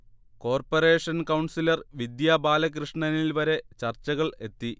corporation councillor Vidya ബാലകൃഷ്ണനിൽ വരെ ചർച്ചകൾ എത്തി